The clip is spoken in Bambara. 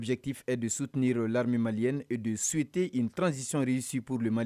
Objectif est de soutenir l'armée malienne et de souhaiter une transition réussie pour le